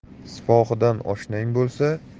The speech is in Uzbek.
sipohidan oshnang bo'lsa